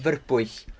Fyrbwyll.